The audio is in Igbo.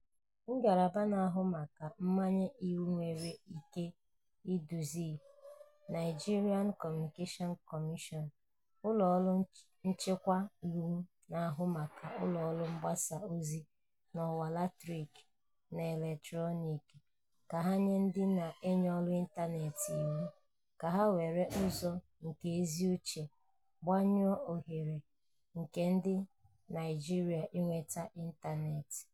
Ngalaba na-ahụ maka Mmanye Iwu nwere ike iduzi NCC [Nigerian Communications Commission — ụlọ ọrụ nchịkwa iwu na-ahụ maka ụlọ ọrụ mgbasa ozi n'ọwa latịriiki na eletroniiki] ka ha nye ndị na-enye ọrụ ịntaneetị iwu ka ha were ụzọ nke ezi uche gbanyụọ ohere nke ndị Naịjirịa inweta ịntaneetị.